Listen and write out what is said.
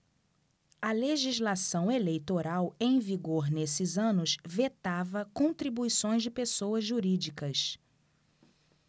a legislação eleitoral em vigor nesses anos vetava contribuições de pessoas jurídicas